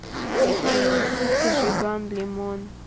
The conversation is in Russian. михаил круг жиган лимон